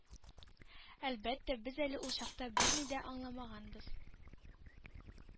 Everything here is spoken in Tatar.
Әлбәттә, без әле ул чакта берни дә аңламаганбыз.